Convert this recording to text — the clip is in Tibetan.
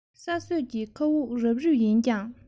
ས སྲོད ཀྱི མཁའ དབུགས རབ རིབ ཡིན ཀྱང